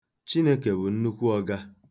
Chineke bụ nnukwu Ọga.